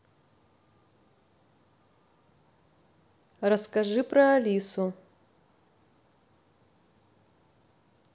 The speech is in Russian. расскажи про алису